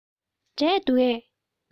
འབྲས འདུག གས